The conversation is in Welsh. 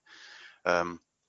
Yym.